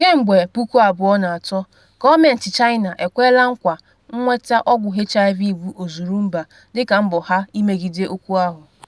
Kemgbe 2003, gọọmentị China ekwela nkwa nweta ọgwụ HIV bụ ozurumba dịka mbọ ha imegide okwu ahụ.